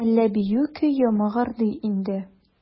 Әллә бию көе мыгырдый инде?